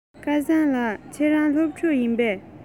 སྐལ བཟང ལགས ཁྱེད རང སློབ ཕྲུག ཡིན པས